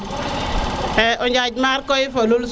ƴaƴ màk koy fo lul soɓ